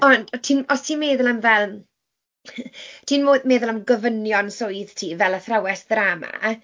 Ond o't ti'n... os ti'n meddwl am fel ti'n mo- meddwl am gofynion swydd ti fel athrawes ddrama...